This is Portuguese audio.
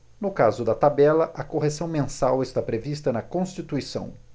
no caso da tabela a correção mensal está prevista na constituição